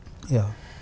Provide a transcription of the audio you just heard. ja.